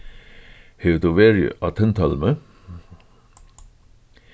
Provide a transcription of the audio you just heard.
hevur tú verið á tindhólmi